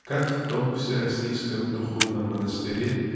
как в том всероссийском духовном монастыре